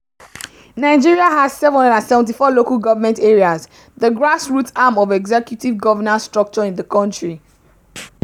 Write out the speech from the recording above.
Nigeria has 774 local government areas, the grassroots arm of executive governance structure in the country.